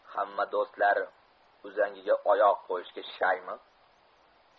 hamma do'stlar uzangiga oyoq ko'yishga shaymi